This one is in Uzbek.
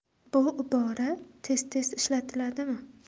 bu ibora tez tez ishlatiladimi